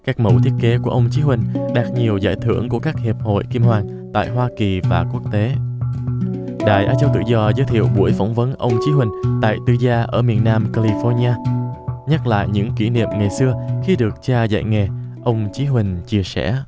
các mẫu thiết kế của ông chí huỳnh đạt nhiều giải thưởng của các hiệp hội kim hoàn tại hoa kỳ và quốc tế đài á châu tự do giới thiệu buổi phỏng vấn ông chí huỳnh tại tư gia ở miền nam ca li pho ni a nhắc lại những kỷ niệm ngày xưa khi được cha dạy nghề ông chí huỳnh chia sẻ